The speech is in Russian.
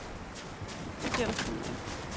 идем со мной